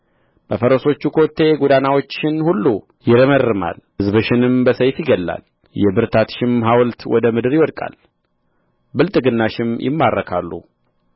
በፈረሶቹ ኮቴ ጎዳናዎችሽን ሁሉ ይረመርማል ሕዝብሽንም በሰይፍ ይገድላል የብርታትሽም ሐውልት ወደ ምድር ይወድቃል ብልጥግናሽንም ይማርካሉ